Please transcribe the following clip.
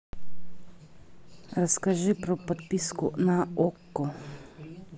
расскажи про подписку на окко